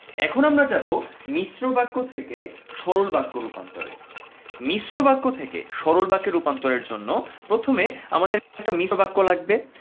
এখন আমরা যাব মিশ্র বাক্য থেকে সরল বাক্যে রূপান্তর এ মিশ্র বাক্য থেকে সরল বাক্যে রূপান্তরের জন্য প্রথমে আমাদের একটা মিশ্র বাক্য লাগবে